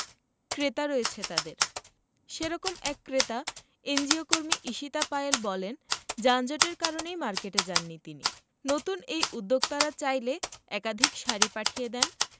ক্রেতা রয়েছে তাঁদের সে রকম এক ক্রেতা এনজিওকর্মী ঈশিতা পায়েল বলেন যানজটের কারণেই মার্কেটে যাননি তিনি নতুন এই উদ্যোক্তারা চাইলে একাধিক শাড়ি পাঠিয়ে দেন